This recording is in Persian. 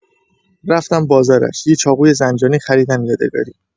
رفتم بازارش، یه چاقوی زنجانی خریدم یادگاری.